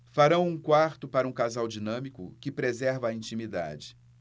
farão um quarto para um casal dinâmico que preserva a intimidade